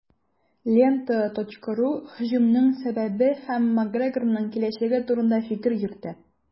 "лента.ру" һөҗүмнең сәбәбе һәм макгрегорның киләчәге турында фикер йөртә.